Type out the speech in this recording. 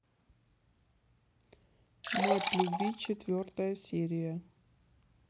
мать любви четвертая серия